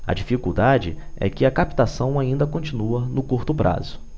a dificuldade é que a captação ainda continua no curto prazo